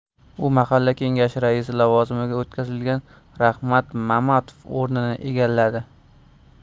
u mahalla kengashi raisi lavozimiga o'tkazilgan rahmat mamatov o'rnini egalladi